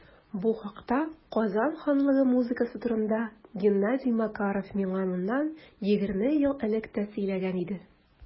Бу хакта - Казан ханлыгы музыкасы турында - Геннадий Макаров миңа моннан 20 ел элек тә сөйләгән иде.